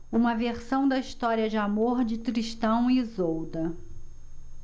uma versão da história de amor de tristão e isolda